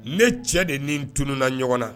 Ne cɛ de ni n tununa ɲɔgɔn na